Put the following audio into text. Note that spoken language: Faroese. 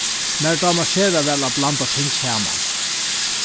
mær dámar sera væl at blanda ting saman